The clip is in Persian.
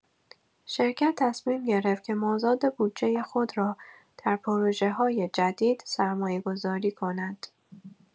شرکت تصمیم گرفت که مازاد بودجه خود را در پروژه‌های جدید سرمایه‌گذاری کند.